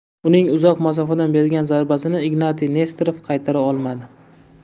uning uzoq masofadan bergan zarbasini ignatiy nesterov qaytara olmadi